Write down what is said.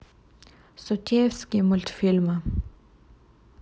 сутеевские мультфильмы